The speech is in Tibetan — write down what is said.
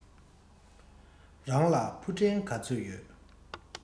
རང ལ ཕུ འདྲེན ག ཚོད ཡོད